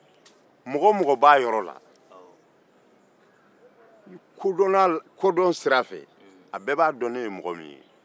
mɔgɔ o mɔgɔ b'a yɔrɔ la a bɛɛ b'a dɔn ne ye mɔgɔ min ye kodɔn sira fɛ